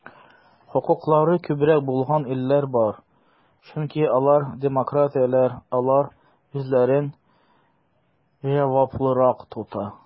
Хокуклары күбрәк булган илләр бар, чөнки алар демократияләр, алар үзләрен җаваплырак тота.